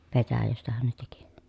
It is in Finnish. petäjästähän ne teki